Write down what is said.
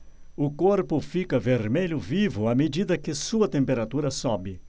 o corpo fica vermelho vivo à medida que sua temperatura sobe